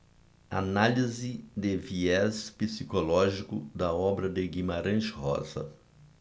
análise de viés psicológico da obra de guimarães rosa